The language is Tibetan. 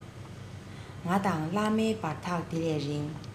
ང དང བླ མའི བར ཐག དེ ལས རིང